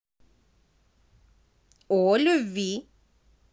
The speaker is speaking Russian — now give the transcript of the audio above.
о любви